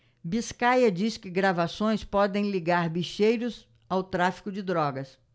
biscaia diz que gravações podem ligar bicheiros ao tráfico de drogas